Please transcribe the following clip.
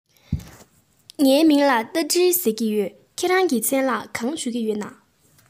ངའི མིང ལ རྟ མགྲིན ཟེར གྱི ཡོད ཁྱེད རང གི མཚན ལ གང ཞུ གི ཡོད ན